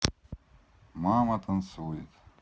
мама танцуем